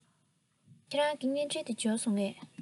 ཁྱེད རང གི བརྙན འཕྲིན དེ འབྱོར བྱུང ངས